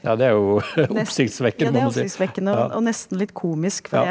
ja det er jo oppsiktsvekkende må man si ja ja.